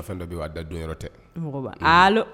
Fɛn da don yɔrɔ tɛ